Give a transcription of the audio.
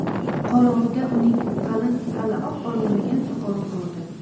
qorong'ida uning qalin hali oq oralamagan soqolini ko'rdi